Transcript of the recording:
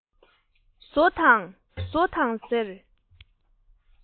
ཟོ དང ཟོ དང ཟེར